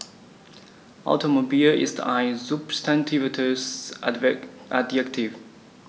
Automobil ist ein substantiviertes Adjektiv.